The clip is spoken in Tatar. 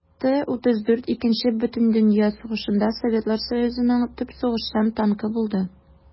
Т-34 Икенче бөтендөнья сугышында Советлар Союзының төп сугышчан танкы булды.